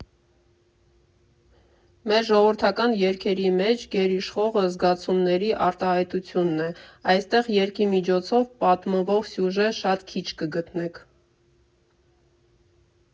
Մեր ժողովրդական երգերի մեջ գերիշխողը զգացումների արտահայտությունն է՝ այստեղ երգի միջոցով պատմվող սյուժե շատ քիչ կգտնեք։